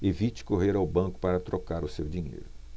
evite correr ao banco para trocar o seu dinheiro